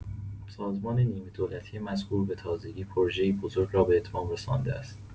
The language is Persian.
سازمان نیمه‌دولتی مذکور به تازگی پروژه‌ای بزرگ را به اتمام رسانده است.